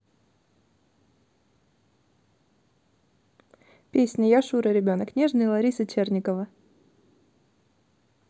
песня я шура ребенок нежный лариса черникова